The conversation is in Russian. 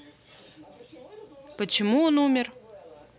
почему он умер